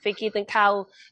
...i gyd yn ca'l